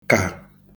kà